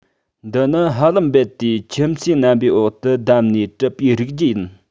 འདི ནི ཧ ལམ རྦད དེ ཁྱིམ གསོས རྣམ པའི འོག ཏུ བདམས ནས གྲུབ པའི རིགས རྒྱུད ཡིན